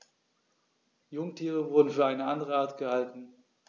Jungtiere wurden für eine andere Art gehalten.